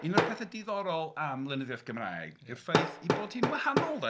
Un o'r petha diddorol am lenyddiaeth Gymraeg, ydy'r ffaith ei bod hi'n wahanol de.